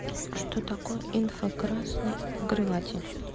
что такое инфракрасный обогреватель